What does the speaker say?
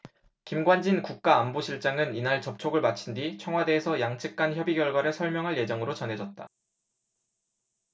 김관진 국가안보실장은 이날 접촉을 마친 뒤 청와대에서 양측간 협의 결과를 설명할 예정으로 전해졌다